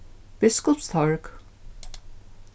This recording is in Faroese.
biskupstorg